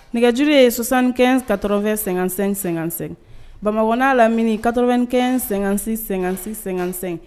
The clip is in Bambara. Nɛgɛjururi ye sonsankɛ taorofɛn sɛgɛnsɛ-sɛsɛ bamakɔ n'a laminikatokɛ sɛgɛn--- sɛgɛnsɛ